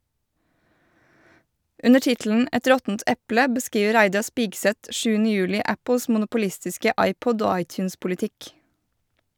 Under tittelen "Et råttent eple" beskriver Reidar Spigseth 7. juli Apples monopolistiske iPod- og iTunes-politikk.